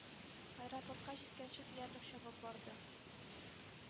Аэропортка җиткәнче диярлек чабып барды.